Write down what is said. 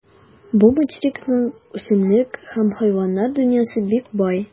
Бу материкның үсемлек һәм хайваннар дөньясы бик бай.